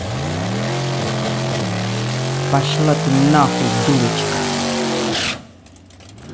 пошла ты нахуй дурочка